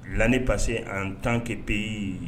L'année passée en tant que pays